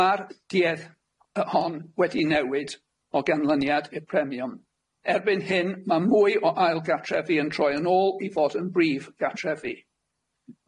ma'r duedd y hon wedi newid o ganlyniad y premiwm. Erbyn hyn ma' mwy o ailgartrefi yn troi yn ôl i fod yn brif gartrefi.